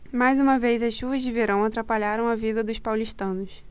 mais uma vez as chuvas de verão atrapalharam a vida dos paulistanos